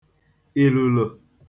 ìlùlò